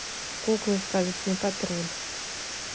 куклы сказочный патруль